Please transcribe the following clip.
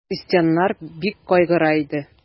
Крестьяннар бик кайгыра иде.